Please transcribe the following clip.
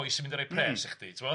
pres i chdi timod?